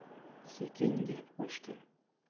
sekin gap qo'shdi